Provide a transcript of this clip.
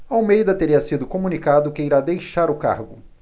almeida teria sido comunicado que irá deixar o cargo